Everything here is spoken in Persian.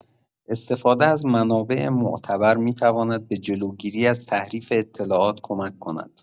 استفاده از منابع معتبر می‌تواند به جلوگیری از تحریف اطلاعات کمک کند.